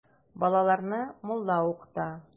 Балаларны мулла укыта.